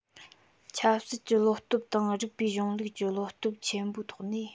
ཆབ སྲིད ཀྱི བློ སྟོབས དང རིགས པའི གཞུང ལུགས ཀྱི བློ སྟོབས ཆེན པོའི ཐོག ནས